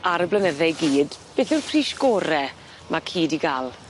###ar y blynydde i gyd beth yw'r pris gore ma' ci 'di ga'l?